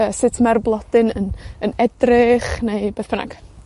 yy, sut mae'r blodyn yn, yn edrych, neu beth bynnag.